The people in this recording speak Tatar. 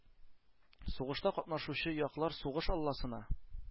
Сугышта катнашучы яклар сугыш алласына